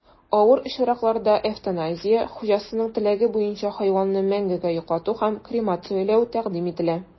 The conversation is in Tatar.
Авыр очракларда эвтаназия (хуҗасының теләге буенча хайванны мәңгегә йоклату һәм кремацияләү) тәкъдим ителә.